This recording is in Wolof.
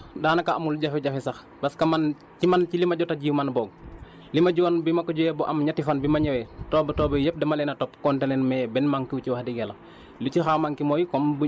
waaw dugub biñ ñu jox daanaka amul jafe-jafe sax parce que man ci man ci li ma jot a ji man boog li ma ji woon bi ma ko jiyee ba am ñetti fan bi ma ñëwee toobo toobo yëpp dama leen a topp compter leen mais benn manqué wu ci wax dëgg yàlla